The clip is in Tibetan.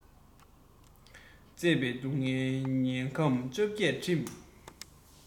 བཙས པའི སྡུག སྔལ མྱལ ཁམས བཅོ བརྒྱད འགྲིམ